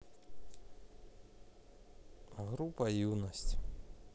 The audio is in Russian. группа юность